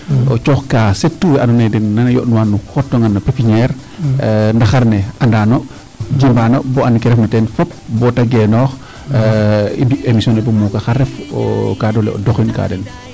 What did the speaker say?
O cooxka surtout we andoona yee den na yo'nuwa no xottoonga no pépiniere ndaxar ne anda no jimbaan o boo and kee refna teen fop bo ta genoox i mbi' emission ne bo muuka xa ref kaadu le o doxinka a den.